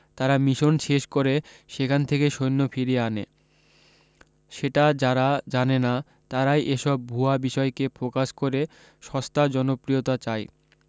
তারা মিশন শেষ করে সেখান থেকে সৈন্য ফিরিয়ে আনে সেটা যারা জানে না তারাই এসব ভুয়া বিষয়কে ফোকাস করে সস্তা জনপ্রিয়তা চায়